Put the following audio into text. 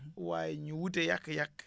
waaye ñu wute yàq-yàq